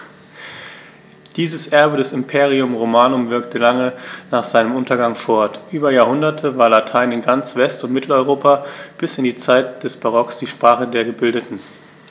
Dieses Erbe des Imperium Romanum wirkte lange nach seinem Untergang fort: Über Jahrhunderte war Latein in ganz West- und Mitteleuropa bis in die Zeit des Barock die Sprache der Gebildeten.